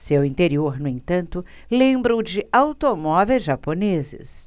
seu interior no entanto lembra o de automóveis japoneses